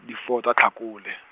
di four tsa Tlhakole.